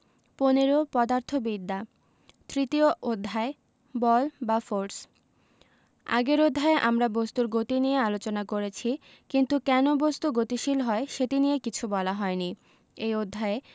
১৫ পদার্থবিদ্যা তৃতীয় অধ্যায় বল বা ফোরস আগের অধ্যায়ে আমরা বস্তুর গতি নিয়ে আলোচনা করেছি কিন্তু কেন বস্তু গতিশীল হয় সেটি নিয়ে কিছু বলা হয়নি এই অধ্যায়ে